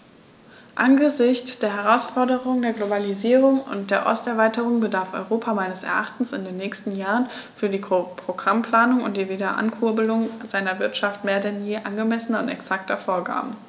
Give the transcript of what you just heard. Angesichts der Herausforderung der Globalisierung und der Osterweiterung bedarf Europa meines Erachtens in den nächsten Jahren für die Programmplanung und die Wiederankurbelung seiner Wirtschaft mehr denn je angemessener und exakter Vorgaben.